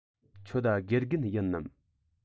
ཁྱོད དགེ རྒན ཡིན ནམ